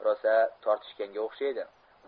rosa tortishganga o'xshaydi